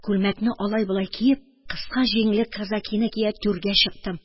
Күлмәкне алай-болай киеп, кыска җиңле казакине кия-кия түргә чыктым.